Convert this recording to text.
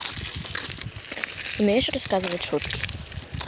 умеешь рассказывать шутки